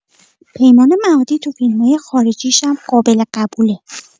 پیمان معادی تو فیلمای خارجیشم قابل قبوله.